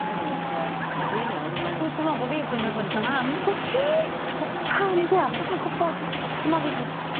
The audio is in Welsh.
'Dan ni'n oce. Ia. Wel dwi'n iwn on' mae... Dwi meddwl bo' fi mwy nervous na mam. Wt ti? T'o' pam 'da? dw'm yn gwbod.